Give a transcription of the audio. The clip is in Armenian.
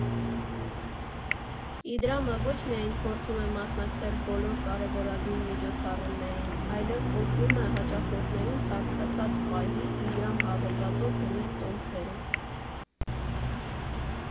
Իդրամը ոչ միայն փորձում է մասնակցել բոլոր կարևորագույն միջոցառումներին, այլև օգնում է հաճախորդներին, ցանկացած պահի, Իդրամ հավելվածով գնել տոմսերը։